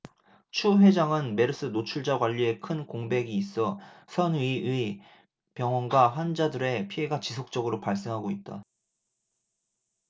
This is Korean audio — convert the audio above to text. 추 회장은 메르스 노출자 관리에 큰 공백이 있어 선의의 병원과 환자들의 피해가 지속적으로 발생하고 있다